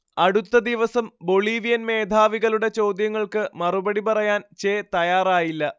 അടുത്ത ദിവസം ബൊളീവിയൻ മേധാവികളുടെ ചോദ്യങ്ങൾക്ക് മറുപടി പറയാൻ ചെ തയ്യാറായില്ല